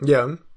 Iawn.